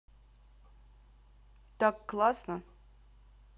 так классно